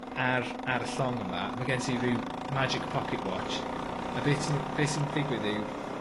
ar ar y llong yma ma' gen ti ryw magic pocket watch a be' ti'n be' sy'n ddigwydd yw